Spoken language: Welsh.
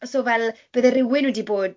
So fel, bydde rywun wedi bod...